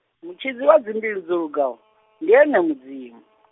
mutshidzi wa dzimbilu dzolugaho, ndi ene Mudzimu .